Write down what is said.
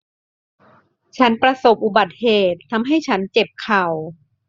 ฉันประสบอุบัติเหตุทำให้ฉันเจ็บเข่า